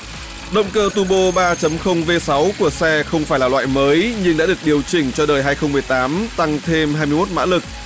động cơ tu bô ba chấm không vê sáu của xe không phải là loại mới nhìn đã được điều chỉnh cho đời hai không mười tám tăng thêm hai mươi mốt mã lực